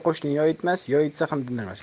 qo'shni yoiatmas yoiatsa ham tindirmas